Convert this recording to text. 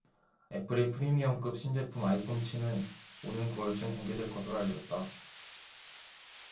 애플의 프리미엄급 신제품 아이폰 칠 은 오는 구 월쯤 공개될 것으로 알려졌다